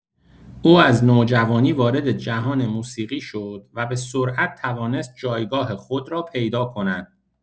او از نوجوانی وارد جهان موسیقی شد و به‌سرعت توانست جایگاه خود را پیدا کند.